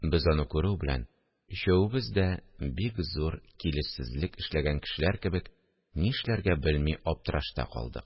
Без аны күрү белән, өчәвебез дә бик зур килешсезлек эшләгән кешеләр кебек, ни эшләргә белми аптырашта калдык